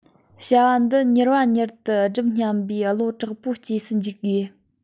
བྱ བ འདི མྱུར བ མྱུར དུ བསྒྲུབ སྙམ པའི བློ དྲག པོ སྐྱེས སུ འཇུག དགོས